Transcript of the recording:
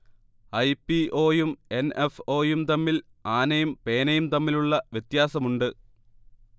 I. P. O യും N. F. O യും തമ്മിൽ ആനയും പേനയും തമ്മിലുള്ള വ്യത്യാസമുണ്ട്